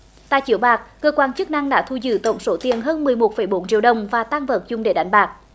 tại chiếu bạc cơ quan chức năng đã thu giữ tổng số tiền hơn mười một phẩy bốn triệu đồng và tang vật dùng để đánh bạc